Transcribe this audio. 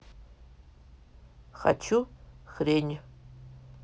хочу хрень